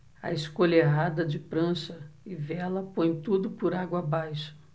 a escolha errada de prancha e vela põe tudo por água abaixo